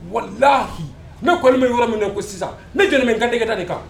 Wala lahi ne kɔni bɛ yɔrɔ min ko sisan ne j min kantigɛge da nin kan